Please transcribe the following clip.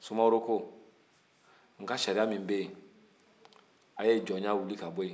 sumaworo ko n ka sariya min bɛ yen aw ye jɔnya wili ka bɔ yen